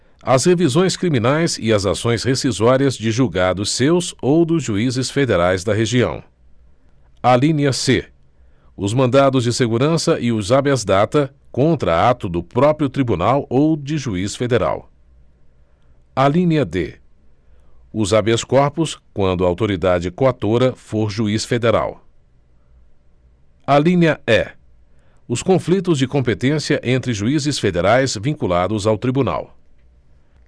as revisões criminais e as ações rescisórias de julgados seus ou dos juízes federais da região alínea c os mandados de segurança e os habeas data contra ato do próprio tribunal ou de juiz federal alínea d os habeas corpus quando a autoridade coatora for juiz federal alínea e os conflitos de competência entre juízes federais vinculados ao tribunal